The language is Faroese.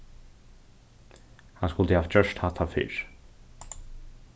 hann skuldi havt gjørt hatta fyrr